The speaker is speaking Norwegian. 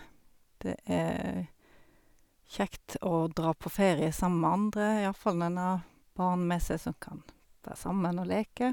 Det er kjekt å dra på ferie sammen med andre, iallfall når en har barn med seg som kan være sammen og leke.